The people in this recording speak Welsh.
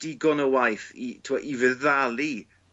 digon o waith i t'wo' i feddalu